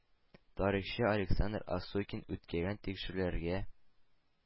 Тарихчы Александр Осокин үткәргән тикшерүләргә,